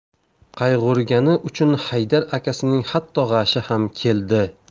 qayg'urgani uchun haydar akasining hatto g'ashi ham keldi